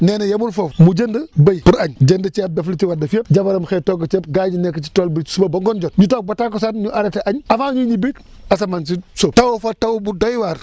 nee na yemul foofu mu jënd béy pour añ jënd ceeb def li ci war a def yëpp jabaram xëy togg ceeb gars yi nekk ci tool bi suba ba ngoon jot ñu toog ba takusaan ñu arrêté añ avant ñuy ñibbi asamaan si sóob taw fa taw bu doy waar